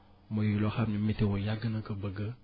muy loo xam ni météo yàgg na ko bëgg